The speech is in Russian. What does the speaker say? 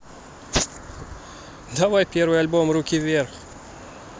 давай первый альбом руки вверх